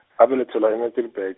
abelethelwa e- Middelburg.